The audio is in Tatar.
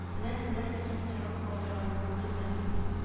Менә кемнәр тотып торыр калтыранган дөньяны